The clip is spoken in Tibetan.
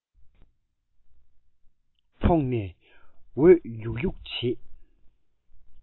ཕོག ནས འོད ཡུག ཡུག བྱེད